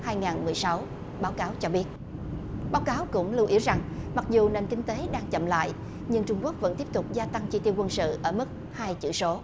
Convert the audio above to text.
hai ngàn mười sáu báo cáo cho biết báo cáo cũng lưu ý rằng mặc dù nền kinh tế đang chậm lại nhưng trung quốc vẫn tiếp tục gia tăng chi tiêu quân sự ở mức hai chữ số